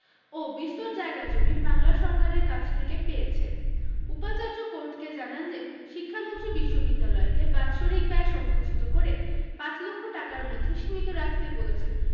ও বিস্তর জায়গা জমি বাংলা সরকারের কাছ থেকে পেয়েছে উপাচার্য কোর্টকে জানান যে শিক্ষামন্ত্রী বিশ্ববিদ্যালয়কে বাৎসরিক ব্যয় সংকুচিত করে পাঁচ লক্ষ টাকার মধ্যে সীমিত রাখতে বলেছেন